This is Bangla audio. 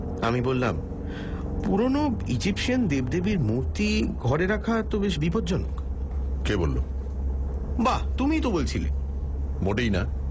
আমি বললাম পুরনো ইজিপসিয়ান দেবদেবীর মূর্তি ঘরে রাখা তো বেশ বিপজ্জনক কে বলল বাঃ তুমিই তো বলেছিলে মোটেই না